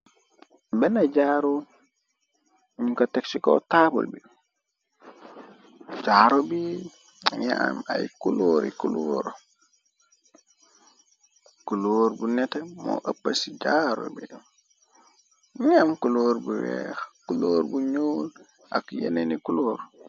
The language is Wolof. Bena jaaru ñu ko teg ci ko taabul bi jaaro bi ngi am ay kuloori orkuloor bu net moo ëpp ci jaaro bi nam kuloor bu weex kuloor bu ñool ak yeneni kulóor.